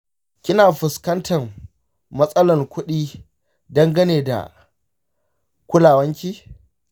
kina fuskantan matasalan kuɗi dangane da kulawanki?